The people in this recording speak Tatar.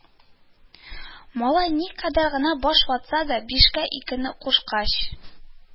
Малай никадәр генә баш ватса да, бишкә икене кушкач